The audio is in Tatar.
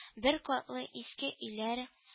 Бер катлы иске өйләр